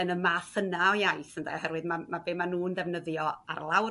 yn y math yna o iaith ynde? Oherwydd ma' ma' be ma'n n'w'n ddefnyddio ar lawr